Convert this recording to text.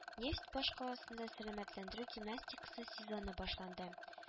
Нефть башкаласында сәламәтләндерү гимнастикасы сезоны башланды: